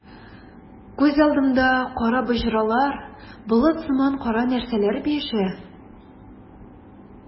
Күз алдымда кара боҗралар, болыт сыман кара нәрсәләр биешә.